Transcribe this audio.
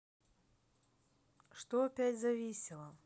что опять зависло